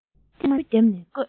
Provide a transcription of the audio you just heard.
སྟ མ སྟེའུ བརྒྱབ ནས བརྐོས